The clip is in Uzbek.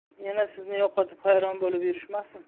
yana sizni yo'qotib hayron bo'lib yurishmasin